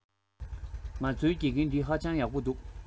ང ཚོའི དགེ རྒན འདི ཧ ཅང ཡག པོ འདུག